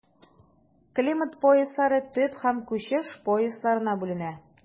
Климат пояслары төп һәм күчеш поясларына бүленә.